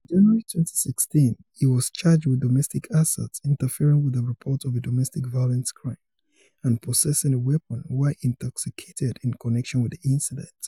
In January 2016 he was charged with domestic assault, interfering with the report of a domestic violence crime, and possessing a weapon while intoxicated in connection with the incident.